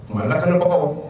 Ma kɛnɛɔgɔ